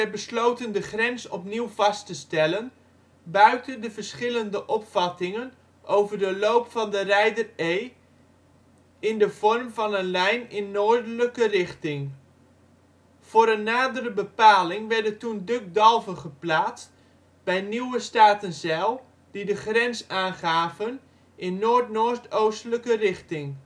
besloten de grens opnieuw vast te stellen buiten de verschillende opvattingen over de loop van de Reider Ee, in de vorm van een lijn in noordelijke richting. Voor een nadere bepaling werden toen dukdalven geplaatst bij Nieuwe Statenzijl die de grens aangaven in NNO-richting